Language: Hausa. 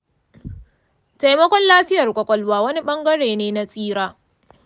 taimakon lafiyar kwakwalwa wani bangare ne na tsira.